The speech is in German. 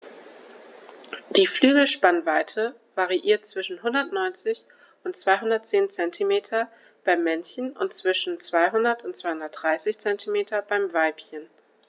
Die Flügelspannweite variiert zwischen 190 und 210 cm beim Männchen und zwischen 200 und 230 cm beim Weibchen.